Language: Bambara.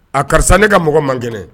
A, karisa ne ka mɔgɔ man kɛnɛ.